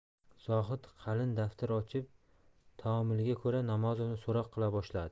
zohid qalin daftar ochib taomilga ko'ra namozovni so'roq qila boshladi